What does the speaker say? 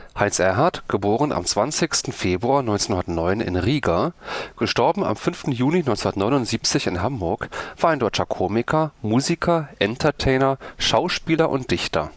Heinz Erhardt (* 20. Februar 1909 in Riga; † 5. Juni 1979 in Hamburg) war ein deutscher Komiker, Musiker, Entertainer, Schauspieler und Dichter